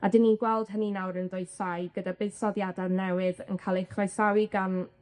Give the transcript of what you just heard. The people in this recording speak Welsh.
A 'dyn ni'n gweld hynny nawr yn ddwysau, gyda buddsoddiade newydd yn ca'l eu croesawu gan